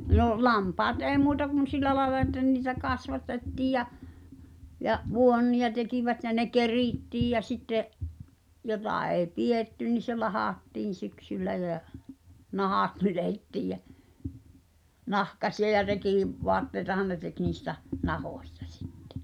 no lampaat ei muuta kuin sillä lailla että niitä kasvatettiin ja ja vuonia tekivät ja ne kerittiin ja sitten jota ei pidetty niin se lahdattiin syksyllä ja nahat nyljettiin ja nahkaisia ja - rekivaatteita ne teki niistä nahoista sitten